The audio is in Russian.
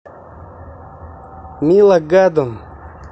мила гадон